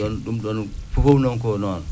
ɗum ɗon ɗum ɗon fofof noon ko noon